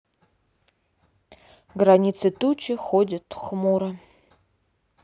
границы тучи ходят хмуро